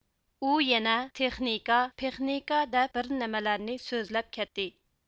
ئۇ يەنە تېخنىكا پېخنىكا دەپ بىر نېمىلەرنى سۆزلەپ كەتتى